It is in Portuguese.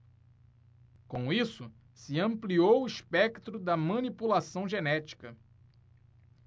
com isso se ampliou o espectro da manipulação genética